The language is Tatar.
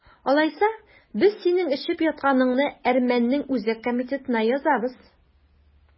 Алайса, без синең эчеп ятканыңны әрмәннең үзәк комитетына язабыз!